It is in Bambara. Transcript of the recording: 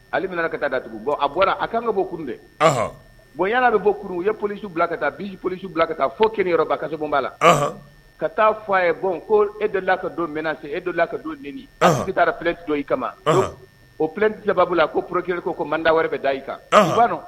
Ale bɛna ka taa da tugun bɔn a bɔra a kan bɔurun dɛ bon yala de b bɔurun u ye polisiw bila ka taa binsi polisiw bila ka taa fɔ kelen yɔrɔ bakasobonba la ka taa fɔ a ye bon ko e dela ka don mɛn se e dɔla ka don niini si fi tɛ dɔ i kama o fi tɛba bolola ko poro kelen ko ko manda wɛrɛ bɛ da i kan ba